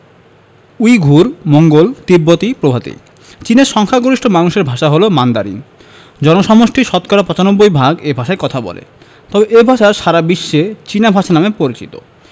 Uyghur Mongol তিব্বতি প্রভৃতি চীনের সংখ্যাগরিষ্ঠ মানুষের ভাষা হলো মান্দারিন জনসমষ্টির শতকরা ৯৫ ভাগ এ ভাষায় কথা বলে তবে এ ভাষা সারা বিশ্বে চীনা ভাষা নামে পরিচিত